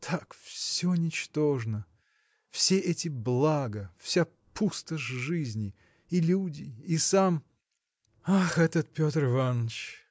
Так все ничтожно: все эти блага, вся пустошь жизни, и люди, и сам. – Ах, этот Петр Иваныч!